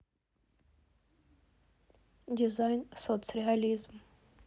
дизайн соцреализм